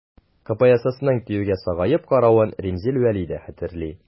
КПССның ТИҮгә сагаеп каравын Римзил Вәли дә хәтерли.